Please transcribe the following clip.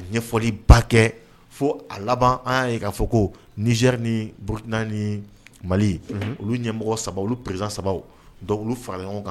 Ɲɛfɔlibakɛ fo a laban an y'a ye k'a fɔ ko Niger ni Bourkina nii Mali olu ɲɛmɔgɔ 3 u olu président 3 donc olu farala ɲɔgɔn k